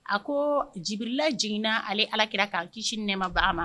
A kobilila j jiginna ale alakira k'a kisi nɛ ma ba ma